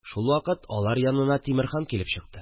Шулвакыт алар янына Тимерхан килеп чыкты